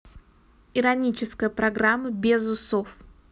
ироническая программа без усов